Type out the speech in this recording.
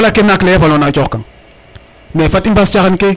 wala ke naak le yafolona a coxakang mais fat i mbaas caxan ke